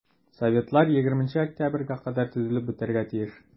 Советлар 20 октябрьгә кадәр төзелеп бетәргә тиеш.